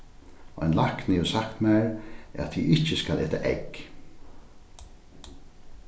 ein lækni hevur sagt mær at eg ikki skal eta egg